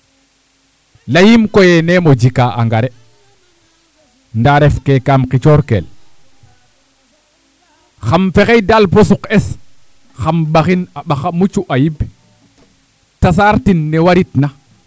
layiim koye neem o jikaa engrais ndaa refkee kaam xicoorkeel xam fexey daal bo suq'es xam ɓaxin a ɓaxa mucu ayib tasaartin ne waritna